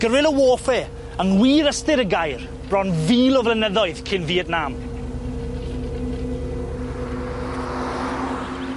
Gorilla warfare, yng ngwir ystyr y gair, bron fil o flynyddoedd cyn Fietnam.